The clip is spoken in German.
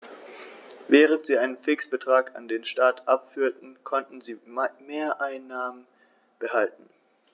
Während sie einen Fixbetrag an den Staat abführten, konnten sie Mehreinnahmen behalten.